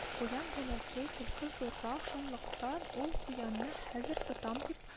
Куян бәләкәй, төлке зуррак, шунлыктан ул куянны хәзер тотам дип